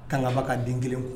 Kanga ba ka den kelen ko